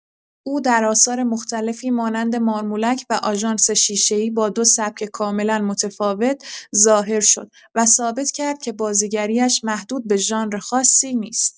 او در آثار مختلفی مانند مارمولک و آژانس شیشه‌ای با دو سبک کاملا متفاوت ظاهر شد و ثابت کرد که بازیگری‌اش محدود به ژانر خاصی نیست.